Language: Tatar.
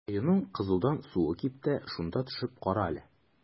Коеның кызудан суы кипте, шунда төшеп кара әле.